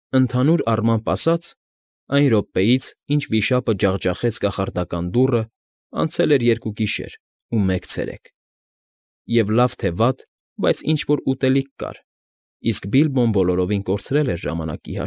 Ընդհանուր առմամբ ասած, այն րորպեից, ինչ վիշապը ջախջախեց կախարդական դուռը, անցել էր երկու գիշեր ու մեկ ցերեկ. և լավ թե վատ, բայց ինչ֊որ ուտելիք կար, իսկ Բիլբոն բոլորովին կորցրել էր ժամանակի։